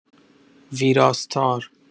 ویراستار